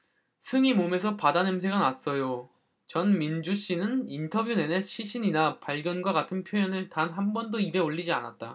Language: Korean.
승희 몸에서 바다 냄새가 났어요전민주씨는 인터뷰 내내 시신이나 발견과 같은 표현을 단 한번도 입에 올리지 않았다